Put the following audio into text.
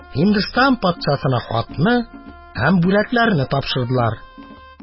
Һиндстан патшасына хатны һәм бүләкләрне тапшырдылар.